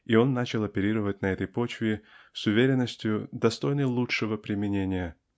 и он начал оперировать на этой почве с уверенностью достойною лучшего применения.